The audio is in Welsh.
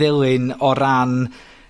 ddilyn o ran